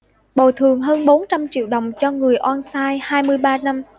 bồi thường hơn bốn trăm triệu đồng cho người oan sai hai mươi ba năm